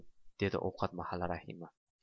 dedi ovqat mahali rahima